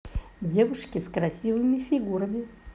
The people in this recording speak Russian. девушки с красивыми фигурами